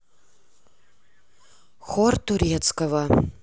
хор турецкого